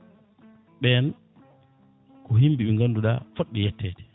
ɓen ko yimɓe ɓe ganduɗa foɗɓe yettede